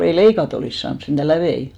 ei leikata olisi saanut sentään läpiä